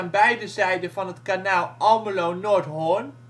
beide zijden van het kanaal Almelo-Nordhorn